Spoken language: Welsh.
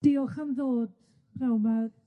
Diolch am ddod, prynawn 'my.